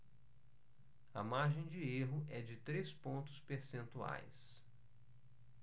a margem de erro é de três pontos percentuais